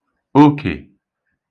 okè